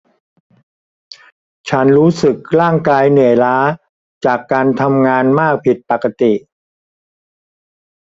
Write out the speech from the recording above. ฉันรู้สึกร่างกายเหนื่อยล้าจากการทำงานมากผิดปกติ